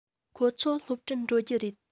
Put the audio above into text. ཁོ ཚོ སློབ གྲྭར འགྲོ རྒྱུ རེད